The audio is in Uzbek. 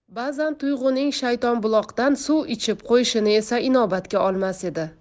ba'zan tuyg'uning shaytonbuloqdan suv ichib qo'yishini esa inobatga olmas edi